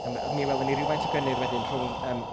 a mi mi welon ni ryw faint o gynnydd wedyn rhwng yym